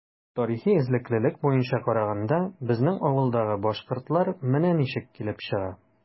Тарихи эзлеклелек буенча караганда, безнең авылдагы “башкортлар” менә ничек килеп чыга.